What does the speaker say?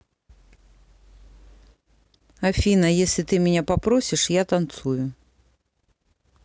афина если ты меня попросишь я танцую